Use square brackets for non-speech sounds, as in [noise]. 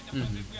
[hesitation] [hesitation] `